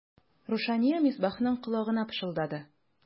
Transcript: Рушания Мисбахның колагына пышылдады.